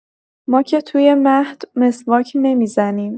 ما که توی مهد مسواک نمی‌زنیم.